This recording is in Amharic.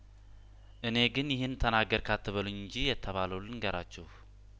እኔ ግን ይህን ተናገርክ አትበሉኝ እንጂ የተባለውን ልንገራችሁ